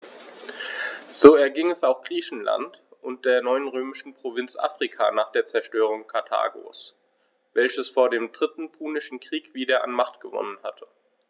So erging es auch Griechenland und der neuen römischen Provinz Afrika nach der Zerstörung Karthagos, welches vor dem Dritten Punischen Krieg wieder an Macht gewonnen hatte.